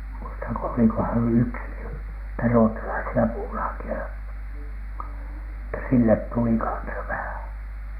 muistanko olikohan yksi niitä ruotsalaisia puulaakeja että sille tuli kanssa vähän